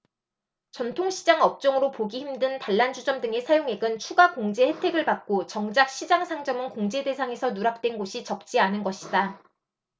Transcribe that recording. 전통시장 업종으로 보기 힘든 단란주점 등의 사용액은 추가 공제 혜택을 받고 정작 시장 상점은 공제 대상에서 누락된 곳이 적지 않은 것이다